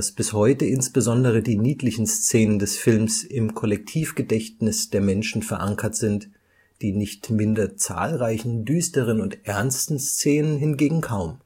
bis heute insbesondere die niedlichen Szenen des Films im Kollektivgedächtnis der Menschen verankert sind, die nicht minder zahlreichen düsteren und ernsten Szenen hingegen kaum